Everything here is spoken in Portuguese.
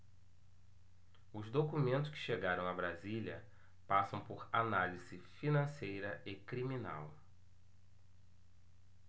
os documentos que chegaram a brasília passam por análise financeira e criminal